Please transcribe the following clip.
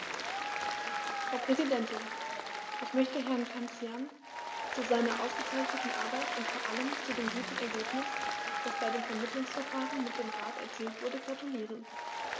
Frau Präsidentin, ich möchte Herrn Cancian zu seiner ausgezeichneten Arbeit und vor allem zu dem guten Ergebnis, das bei dem Vermittlungsverfahren mit dem Rat erzielt wurde, gratulieren.